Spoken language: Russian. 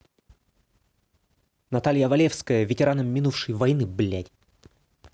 наталья валевская ветеранам минувшей войны блядь